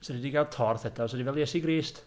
'Sa ti 'di cael torth eto... 'Sa ti fel Iesu Grist.